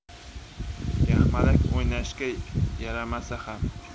yaxmalak o'ynashga yaramasa ham